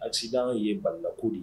Accident ye balaka ko de ye.